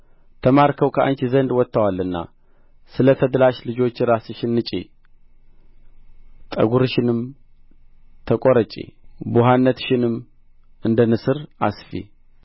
ተማርከው ከአንቺ ዘንድ ወጥተዋልና ስለ ተድላሽ ልጆች ራስሽን ንጪ ጠጕርሽንም ተቈረጪ ቡሃነትሽንም እንደ ንስር አስፊ